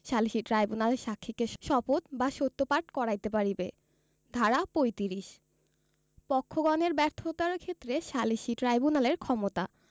সালিসী ট্রাইব্যুনাল সাক্ষীকে শপথ বা সত্য পাঠ করাইতে পারিবে ধারা ৩৫ পক্ষগণের ব্যর্থতার ক্ষেত্রে সালিসী ট্রাইব্যুনালের ক্ষমতা